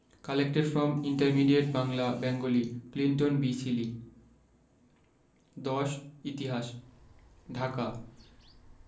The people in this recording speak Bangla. collected from intermediate Bangla Bengali Clinton B Seely ১০ ইতিহাস ঢাকা